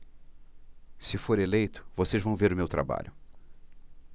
se for eleito vocês vão ver o meu trabalho